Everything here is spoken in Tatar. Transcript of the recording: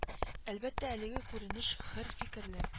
Әлбәттә әлеге күренеш хөр фикерле